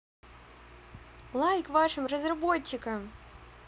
лайк вашим разработчикам